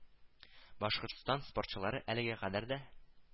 Башкортстан спортчылары әлегә кадәр дә